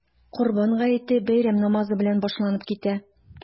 Корбан гаете бәйрәм намазы белән башланып китә.